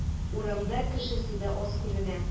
Урамда кешесе дә аз күренә.